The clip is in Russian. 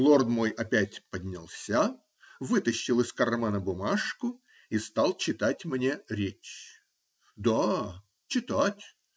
Лорд мой опять поднялся, вытащил из кармана бумажку и стал читать мне речь. Да, читать